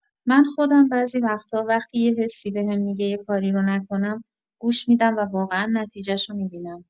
من خودم بعضی وقتا وقتی یه حسی بهم می‌گه یه کاری رو نکنم، گوش می‌دم و واقعا نتیجه‌شو می‌بینم.